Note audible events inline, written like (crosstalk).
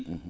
(hesitation) (hesitation)